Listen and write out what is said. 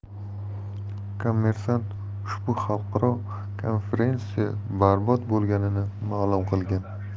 kommersant ushbu xalqaro konferensiya barbod bo'lganini ma'lum qilgan